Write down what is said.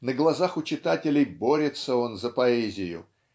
На глазах у читателей борется он за поэзию.